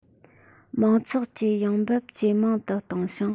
མང ཚོགས ཀྱི ཡོང འབབ ཇེ མང དུ གཏོང ཞིང